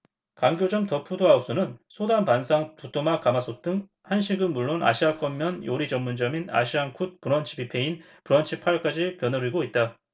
광교점 더 푸드 하우스는 소담반상 부뚜막 가마솥 등 한식은 물론 아시아권 면 요리 전문점인 아시안쿡 브런치뷔페인 브런치 팔 까지 거느리고 있다